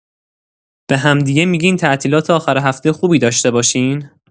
به همدیگه می‌گین تعطیلات آخر هفته خوبی داشته باشین؟